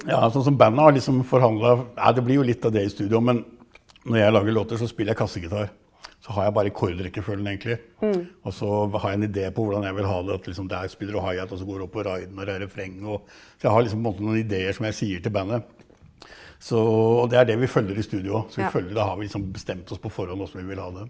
ja sånn som bandet har liksom forhandla, nei det blir jo litt av det i studio, men når jeg lager låter så spiller jeg kassegitar så har jeg bare akkordrekkefølgen egentlig også har jeg en idé på hvordan jeg vil ha det, at liksom der spiller du også går opp og og det er refrenget og, så jeg har liksom på en måte noen ideer som jeg sier til bandet, så og det er det vi følger i studio òg så vi følger, da har vi liksom bestemt oss på forhånd åssen vi vil ha det.